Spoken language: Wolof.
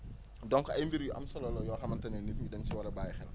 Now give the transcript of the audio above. donc ay mbir yu am solo la yoo xamante ne nit dañ si war a bçyyi xel